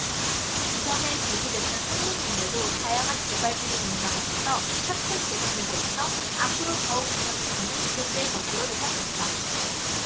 이전에 제기됐던 성능문제도 다양한 개발툴이 등장하면서 차츰 개선되고 있어 앞으로 더욱 이런 추세는 지속될 것으로 예상된다